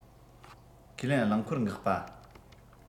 ཁས ལེན རླངས འཁོར འགག པ